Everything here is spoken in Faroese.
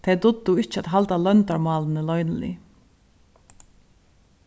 tey dugdu ikki at halda loyndarmálini loynilig